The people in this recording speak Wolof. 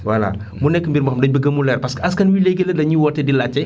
voilà mu nekk mbir moo xam dañu bëgg mu leer parce que askan wi léegile dañuy woote di laajte